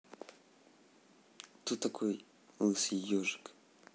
кто такой лысый ежик